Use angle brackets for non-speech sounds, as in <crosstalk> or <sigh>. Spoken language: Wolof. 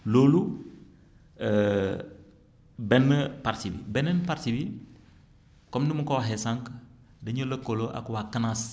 loolu <hesitation> benn partie bi beneen partie bi comme nu ma ko waxee sànq dañu lëkkaloo ak waa Canas